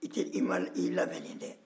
i labɛnnen tɛ